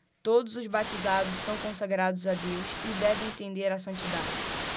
todos os batizados são consagrados a deus e devem tender à santidade